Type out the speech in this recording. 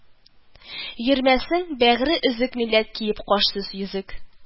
Йөрмәсен бәгъре өзек милләт киеп кашсыз йөзек